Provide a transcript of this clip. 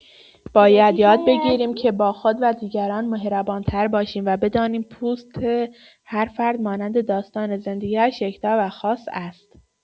باید یاد بگیریم که با خود و دیگران مهربان‌تر باشیم و بدانیم پوست هر فرد مانند داستان زندگی‌اش یکتا و خاص است.